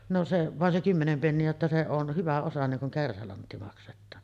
no se vain se kymmenen penniä jotta se on hyvä osa niin kuin kärsälantti maksetaan